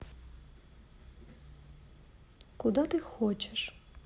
куда ты хочешь